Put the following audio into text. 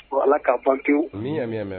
Bon Ala ka ban pewu, amina yarabi